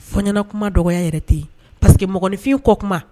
Foɲɲɛna kuma dɔgɔ yɛrɛ ten yen paseke mɔgɔninfin kɔ kuma